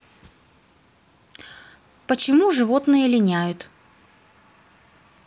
почему животные линяют